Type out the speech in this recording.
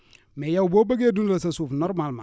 mais yow boo bëggee dundal sa suuf normalement